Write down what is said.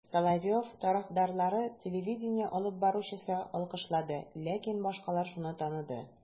Соловьев тарафдарлары телевидение алып баручысын алкышлады, ләкин башкалар шуны таныды: